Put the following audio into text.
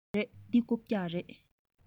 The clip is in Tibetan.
རེད འདི རྐུབ བཀྱག རེད